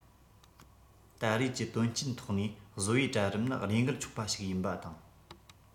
ད རེས ཀྱི དོན རྐྱེན ཐོག ནས བཟོ པའི གྲལ རིམ ནི བློས འགེལ ཆོག པ ཞིག ཡིན པ དང